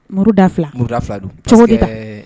Muru da fila, muru da fila don cogodi tan?